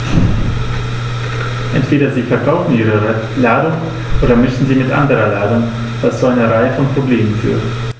Entweder sie verkaufen ihre Ladung oder mischen sie mit anderer Ladung, was zu einer Reihe von Problemen führt.